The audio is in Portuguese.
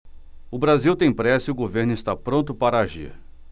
o brasil tem pressa e o governo está pronto para agir